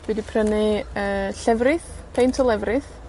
Dwi 'di prynu yy llefrith, peint o lefrith.